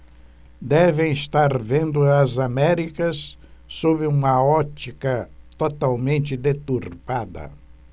devem estar vendo as américas sob uma ótica totalmente deturpada